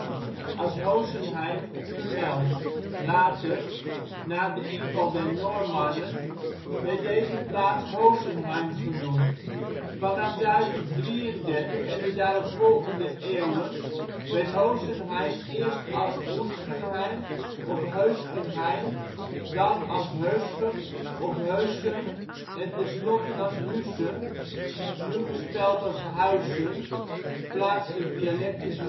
als Hosenhym vermeld; later (na de invallen der Noormannen) werd deze plaats Hosenheim genoemd. Vanaf 1033 en de daaropvolgende eeuwen werd Hosenheim eerst als Huschenheim of Heuschenheim, dan als Heuschen of Heussen, en tenslotte als Huessen, nu gespeld als Huissen (plaatselijk dialect is